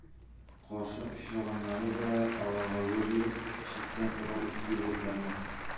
Каршы очраганнары да аларга юл биреп, читтән урап үтте егетләрнең.